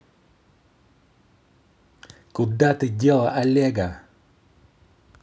куда ты дела олега